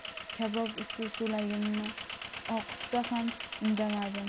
kabob isi so'lagimni oqizsa ham indamadim